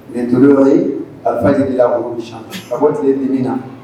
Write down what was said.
Nin duuru ye a faj ko tile dimi na